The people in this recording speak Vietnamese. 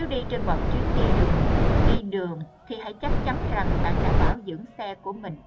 nếu đi trên một chuyến đi đường thì hãy chắc chắn rằng bạn đã bảo dưỡng xe của bạn trước